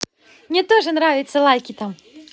мне тоже нравится лайки там